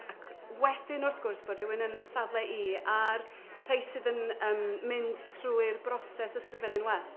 Ac wedyn wrth gwrs, bod rywun yn fy safle i, a'r rhai sydd yn yym mynd trwy'r broses ysgrifennu'n well.